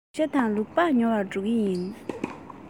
ལུག ཤ དང ལུག ལྤགས ཉོ བར འགྲོ གི ཡིན